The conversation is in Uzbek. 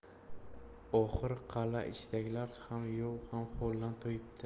oxiri qala ichidagilar ham yov ham holdan toyibdi